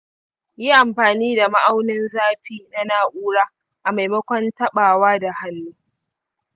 yi amfani da ma'aunin zafi na na'ura a maimakon taɓawa da hannu.